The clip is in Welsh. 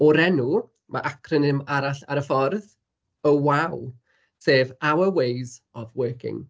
O'r enw... ma' acronym arall ar y ffordd – OWOW, sef Our Ways of Working.